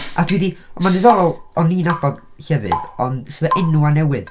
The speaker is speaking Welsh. A dwi 'di... mae'n ddiddorol o'n i'n 'nabod llefydd, ond sy 'fo enwau newydd.